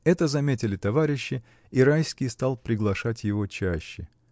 Это заметили товарищи, и Райский стал приглашать его чаще.